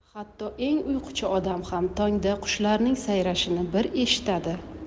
hatto eng uyquchi odam ham tongda qushlarning sayrashini bir eshitadi